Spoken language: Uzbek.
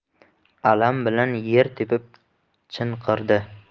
alam bilan yer tepib chinqirdi